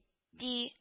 Ди